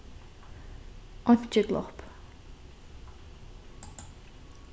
einki glopp